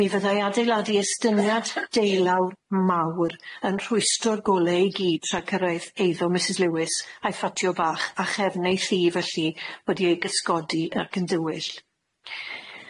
Mi fyddai adeiladu estyniad deulawr mawr yn rhwystro'r golau i gyd tra cyrraedd eiddo Misys Lewis a'i ffatio bach, a chefn ei thŷ felly, wedi i gysgodi ac yn dywyll.